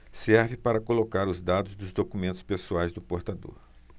serve para colocar os dados dos documentos pessoais do portador